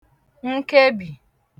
nkebì